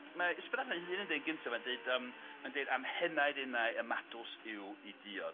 mae Ysbyddaden ei hun yn deud gynta, mae'n deud yym ma'n dweud am henaid innau, y madws yw i diod.